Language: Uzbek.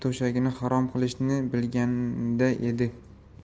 to'shagini harom qilishini bilganida edi